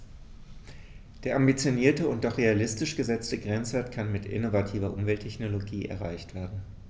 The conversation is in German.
Der ambitionierte und doch realistisch gesetzte Grenzwert kann mit innovativer Umwelttechnologie erreicht werden.